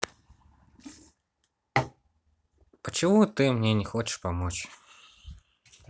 почему ты мне не хочешь помочь